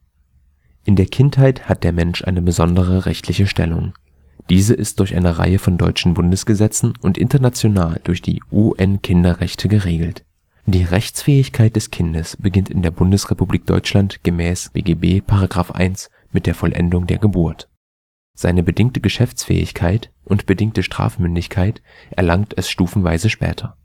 der Kindheit hat der Mensch eine besondere rechtliche Stellung. Diese ist durch eine Reihe von Deutschen Bundesgesetzen und international durch die UN-Kinderrechte geregelt. Die Rechtsfähigkeit des Kindes beginnt in der Bundesrepublik Deutschland gemäß (BGB) § 1 „ mit der Vollendung der Geburt “, seine bedingte Geschäftsfähigkeit und bedingte Strafmündigkeit erlangt es stufenweise später